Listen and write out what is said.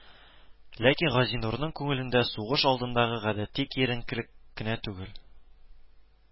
Ләкин Газинурның күңелендә сугыш алдындагы гадәти киеренкелек кенә түгел